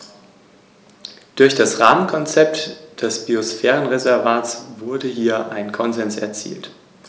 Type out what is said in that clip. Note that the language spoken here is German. Im Gegensatz dazu haben Rattenigel keine Stacheln und erwecken darum einen eher Spitzmaus-ähnlichen Eindruck.